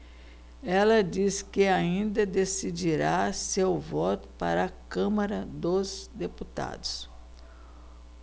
ela disse que ainda decidirá seu voto para a câmara dos deputados